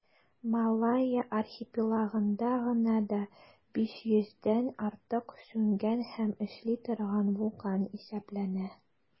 Малайя архипелагында гына да 500 дән артык сүнгән һәм эшли торган вулкан исәпләнә.